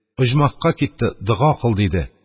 Оҗмахка китте, дога кыл, – диде